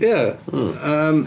Ia... Mm. ... Ymm...